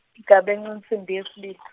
Igabence insimbi yeslib- .